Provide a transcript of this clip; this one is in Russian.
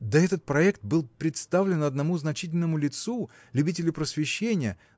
да этот проект был представлен одному значительному лицу любителю просвещения